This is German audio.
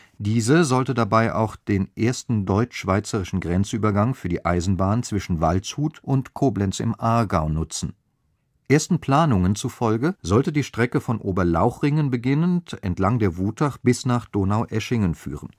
Diese sollte dabei auch den ersten deutsch-schweizerischen Grenzübergang für die Eisenbahn zwischen Waldshut und Koblenz im Aargau nutzen. Ersten Planungen zufolge sollte die Strecke von Oberlauchringen beginnend entlang der Wutach bis nach Donaueschingen führen